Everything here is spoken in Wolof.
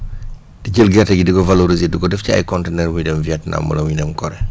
di jël gerte gi dio ko valoriser di ko def ci ay contenaires muy dem Vietnam wala muy dem Corée